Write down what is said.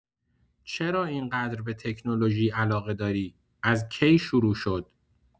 چرا اینقدر به تکنولوژی علاقه داری، از کی شروع شد؟